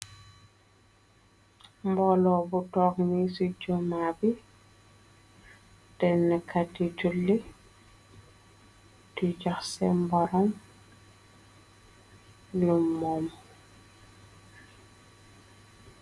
Mbolo bu toog ni ci juma bi den nekka di juli di joh mborom lum mom.